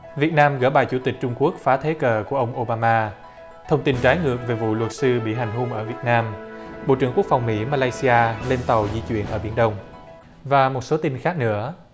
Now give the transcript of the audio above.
việt nam gỡ bài chủ tịch trung quốc phá thế cờ của ông ô ba ma thông tin trái ngược về vụ luật sư bị hành hung ở việt nam bộ trưởng quốc phòng mỹ ma lay si a lên tàu di chuyển ở biển đông và một số tin khác nữa